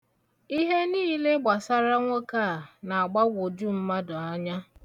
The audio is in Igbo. Ihe niile gbasara nwoke a na-agbagwoju mmadụ anya.